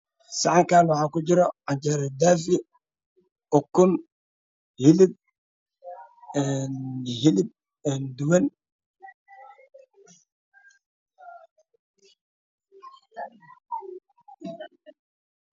Saxankan wax ku jiro canjeero daafi ukun hilip duwan